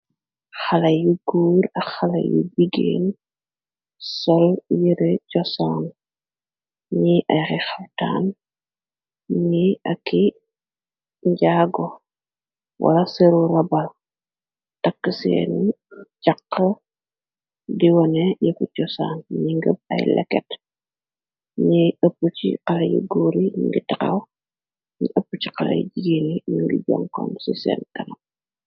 Xale yu goor ak xale yu jigeen sol yëre cosaan ñiy ay xaftan niy aki njaago wala sëru rabal taka seen càxa di wone yefu cosaan ni ngëb ay lekket ñiy ëppu ci xale yu goor yi ngi taxaw ñi ëppu ci xaley jigeeni mingi jonkoon ci seen karam.